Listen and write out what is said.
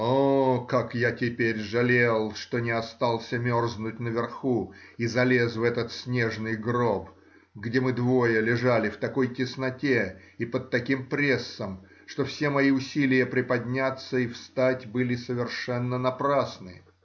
О, как я теперь жалел, что не остался мерзнуть наверху и залез в этот снежный гроб, где мы двое лежали в такой тесноте и под таким прессом, что все мои усилия приподняться и встать были совершенно напрасны!